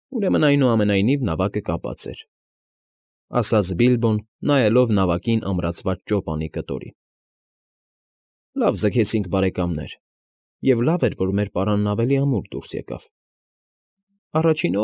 Ուրեմն, այնուամենայնիվ, նավակը կապած էր,֊ ասաց Բիլբոն, նայելով նավակին ամրացված ճոպանի կտորին։֊ Լավ ձգեցինք, բարեկամներ, և լավ էր, որ մեր պարանն ավելի ամուր դուրս եկավ։ ֊ Առաջինը։